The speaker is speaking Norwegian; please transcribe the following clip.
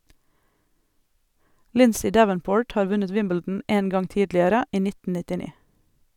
Lindsay Davenport har vunnet Wimbledon en gang tidligere - i 1999.|